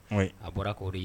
Ee a bɔra koo de ye